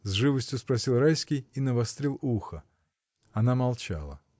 — с живостью спросил Райский и навострил ухо. Она молчала.